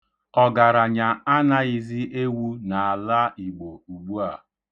Ọgaranya anaghịzi ewu n'ala Igbo ugbua.